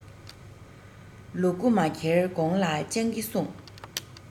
ལུ གུ མ འཁྱེར གོང ལ སྤྱང ཀི སྲུངས